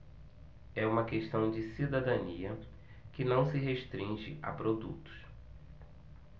é uma questão de cidadania que não se restringe a produtos